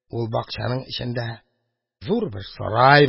Ул бакчаның эчендә зур бер сарай бар.